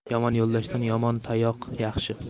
yomon yo'ldoshdan yomon tayoq yaxshi